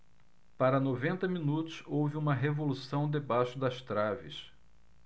para noventa minutos houve uma revolução debaixo das traves